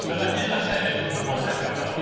Dyna hyd a lled fy ngwybodaeth i amdano fo.